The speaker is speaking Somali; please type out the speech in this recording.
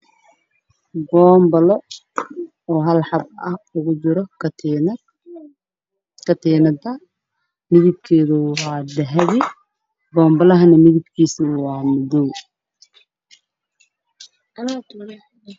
Waa banbalo midabkiisu yahay madow waxaa ku jira katiin midabkii su yahay dahabi